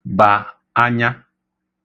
bà anya